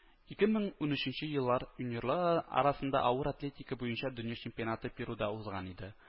Ике мең унөченче еллар юниорлааа арасында авыр атлетика буенча дөнья чемпионаты перуда узган иде